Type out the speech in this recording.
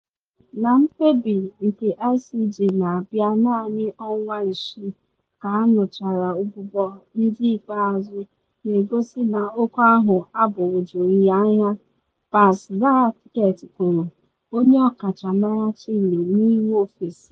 Na mkpebi nke ICJ na abịa naanị ọnwa isii ka anụchara ụbụbọ ndị ikpeazụ na egosi na okwu ahụ “agbagwojughi anya,” Paz Zárate kwuru, onye ọkachamara Chile n’iwu ofesi.